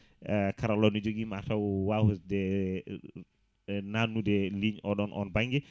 karalla o ne jogui mataw wasde nanude ligne oɗon on banggue